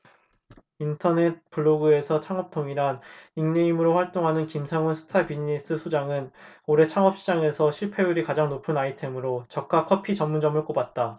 인터넷 블로그에서창업통이란 닉네임으로 활동하는 김상훈 스타트비즈니스 소장은 올해 창업시장에서 실패율이 가장 높은 아이템으로 저가 커피 전문점을 꼽았다